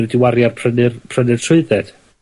nw wedi wario ar prynu'r prynu'r trwydded.